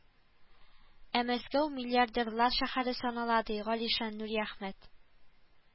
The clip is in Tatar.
Ә Мәскәү миллиардерлар шәһәре санала , ди Галишан Нуриәхмәт